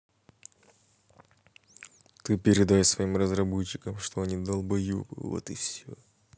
ты передай своим разработчикам что они долбоебы вот и все